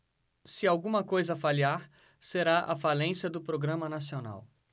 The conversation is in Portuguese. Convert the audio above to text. se alguma coisa falhar será a falência do programa nacional